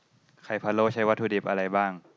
ไข่พะโล้ใช้วัตถุดิบอะไรบ้าง